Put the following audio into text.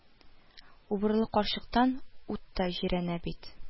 – убырлы карчыктан ут та җирәнә бит